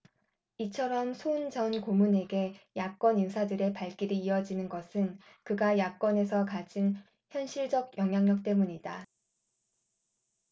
이처럼 손 전 고문에게 야권 인사들의 발길이 이어지는 것은 그가 야권에서 가진 현실적 영향력 때문이다